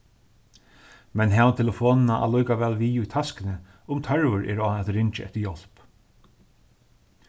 men hav telefonina allíkavæl við í taskuni um tørvur er á at ringja eftir hjálp